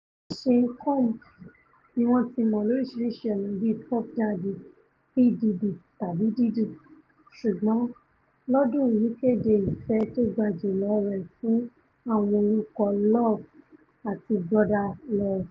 Sean Combs ni wọń ti mọ lóríṣiríṣi ọ̀nà bíi Puff Daddy, P. Diddy tàbí Diddy, ṣùgbọn lọ́dún yìí kéde ìfẹ́ tóga jùlọ rẹ̀ fún àwọn orúkọ Love and Brother Love.